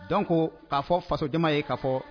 Dɔn k'a fɔ faso jamama ye kaa fɔ